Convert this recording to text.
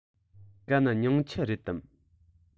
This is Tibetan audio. ག མྱང ཆུ རེད དམ